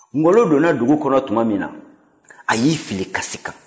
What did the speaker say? ngɔlɔ donna dugu kɔnɔ tuma min na a y'i fili kasi kan